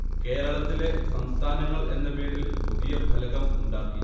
കേരളത്തിലെ സംസ്ഥാനങ്ങൾ എന്ന പേരിൽ പുതിയ ഫലകം ഉണ്ടാക്കി